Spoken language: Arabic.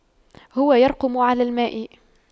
هو يرقم على الماء